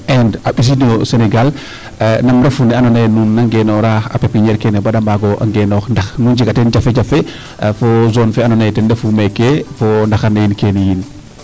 inde a mbisiis noyo Senegal nam refu ne ando naye nuun na ngenora pepiniere bada mbaago ngenoox ndax nun njega teen jafe jafe fo zone fee ando naye ten refu meeke fo ndaxar ne yiin keene yiin